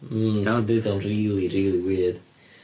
Hmm... Iawn? ...ti'n deud o'n rili rili weird.